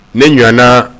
Ne ɲɛna